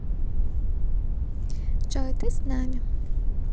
джой ты с нами